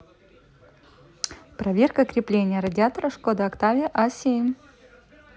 проверка крепления радиатора skoda octavia a семь